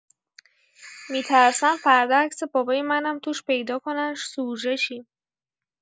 می‌ترسم فردا عکس بابای منم توش پیدا کنن سوژه شیم!